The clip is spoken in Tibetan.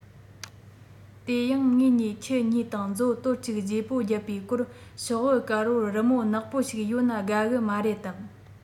དེ ཡང ངེད གཉིས ཁྱི གཉིས དང མཛོ དོར གཅིག བརྗེ པོ བརྒྱབ པའི སྐོར ཤོག བུ དཀར པོར རི མོ ནག པོ ཞིག ཡོད ན དགའ གི མ རེད དམ